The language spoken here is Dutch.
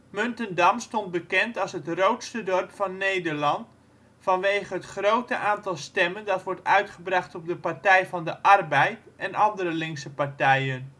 Muntendam stond bekend als ' het roodste dorp van Nederland ', vanwege het grote aantal stemmen dat wordt uitgebracht op de Partij van de Arbeid en andere linkse partijen